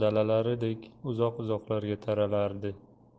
dalalaridek uzoq uzoqlarga taralardi